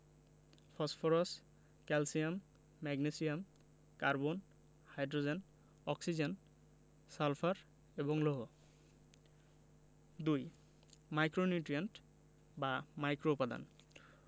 phosphorus calcium magnesium carbon hydrogen oxygen sulphur এবং লৌহ ২ micronutrient বা মাইক্রোউপাদান